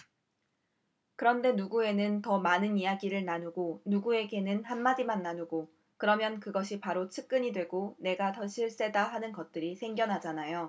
그런데 누구에는 더 많은 얘기를 나누고 누구에게는 한 마디만 나누고 그러면 그것이 바로 측근이 되고 내가 더 실세다 하는 것들이 생겨나잖아요